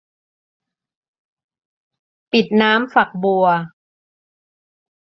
ปิดน้ำฝักบัว